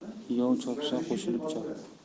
yov chopsa qo'shilib chop